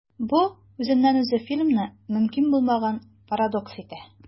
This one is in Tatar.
Бу үзеннән-үзе фильмны мөмкин булмаган парадокс итә.